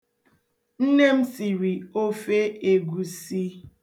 Nne m siri ofe egwusi.